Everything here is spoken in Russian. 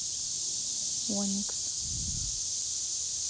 оникс